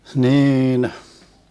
niin